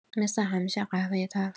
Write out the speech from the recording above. مثل همیشه قهوۀ تلخ